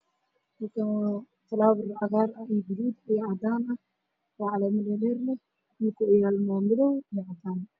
Meshaan waa ubax gaduud ah iyo mid cagaar ah